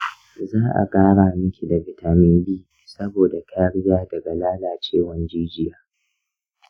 za'a ƙara miki da vitamin b saboda kariya daga lalacewan jijiya.